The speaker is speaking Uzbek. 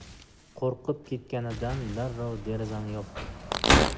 qurqib ketganidan darrov derazani yopdi